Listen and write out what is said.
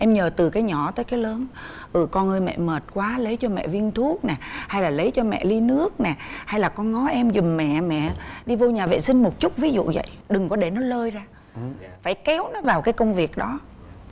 em nhờ từ cái nhỏ tới cái lớn ừ con ơi mẹ mợt quá lấy cho mẹ viên thuốc nè hay là lấy cho mẹ ly nước nè hay là con ngó em giùm mẹ mẹ đi vô nhà vệ sinh một chút ví dụ dậy đừng có để nó lơi ra phải kéo nó vào cái công việc đó